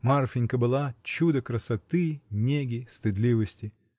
Марфинька была — чудо красоты, неги, стыдливости.